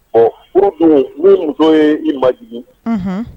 Ɔ p tun n muso ye i ma jigin